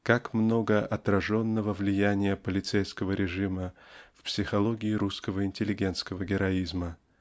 как много отраженного влияния полицейского режима в психологии русского интеллигентского героизма